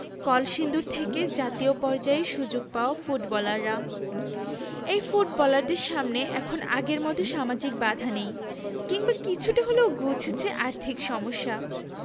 কলসিন্দুর থেকে জাতীয় পর্যায়ে সুযোগ পাওয়া ফুটবলাররা এই ফুটবলারদের সামনে এখন আগের মতো সামাজিক বাধা নেই কিংবা কিছুটা হলেও ঘুচেছে আর্থিক সমস্যা